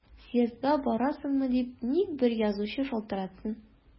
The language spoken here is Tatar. Съездга барасыңмы дип ник бер язучы шалтыратсын!